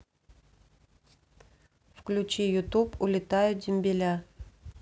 включи ютуб улетают дембеля